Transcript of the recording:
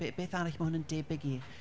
Be- beth arall mae hwn yn debyg i?